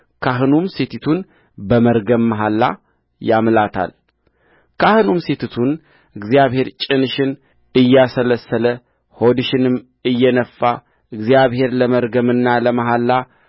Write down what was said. ካህኑም ሴቲቱን በመርገም መሐላ ያምላታል ካህኑም ሴቲቱን እግዚአብሔር ጭንሽን እያሰለሰለ ሆድሽንም እየነፋ እግዚአብሔር ለመርገምና ለመሐላ